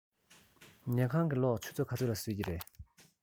ཉལ ཁང གི གློག ཆུ ཚོད ག ཚོད ལ གསོད ཀྱི རེད